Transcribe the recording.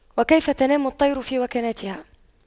وكيف تنام الطير في وكناتها